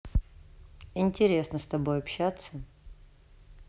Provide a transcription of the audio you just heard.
интересно с тобой общаться